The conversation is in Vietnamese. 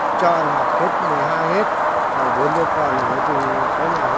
cho ăn học hết mười hai hết thôi bốn đứa con nói chung thì có nhà